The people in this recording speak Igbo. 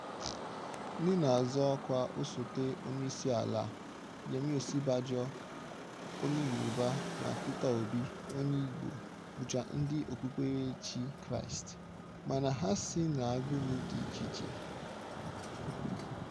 Ndị na-azọ ọkwa osote onyeisiala - Yemi Osibanjo (APC), onye Yoruba, na Peter Obi (PDP), onye Igbo, bụcha Ndị okpukperechi Kraịst - mana ha si n'agbụrụ dị icheiche.